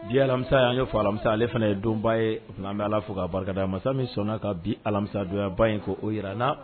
Di alamisa y'an ye fɔ alamisa ale fana ye donba ye an bɛ ala fo k'a barika masa min sɔnna ka bi alamisajya ba in ko o jira n na